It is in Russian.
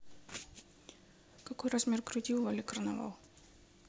какой размер груди у вали карнавал